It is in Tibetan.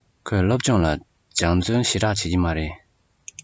ཁོས སློབ སྦྱོང ལ སྦྱོང བརྩོན ཞེ དྲགས བྱེད ཀྱི མ རེད